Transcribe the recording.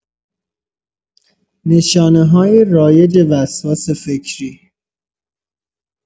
نشانه‌های رایج وسواس فکری